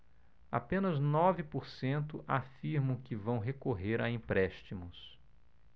apenas nove por cento afirmam que vão recorrer a empréstimos